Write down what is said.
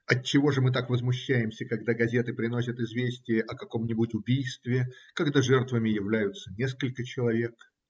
Отчего же мы так возмущаемся, когда газеты приносят известие о каком-нибудь убийстве, когда жертвами являются несколько человек?